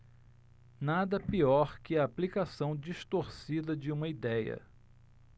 nada pior que a aplicação distorcida de uma idéia